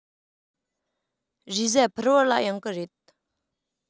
རེས གཟའ ཕུར བུ ལ ཡོང གི རེད